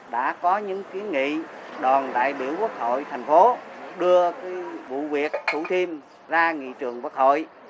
đã có những kiến nghị đoàn đại biểu quốc hội thành phố đưa vụ việc thủ thiêm ra nghị trường quốc hội